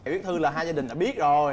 ý thư là hai gia đình đã biết rồi